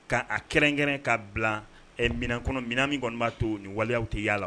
Ka' a kɛrɛnkɛrɛn k'a bila minɛnan kɔnɔ minɛn min kɔni b'a to nin ni waleya tɛ yalala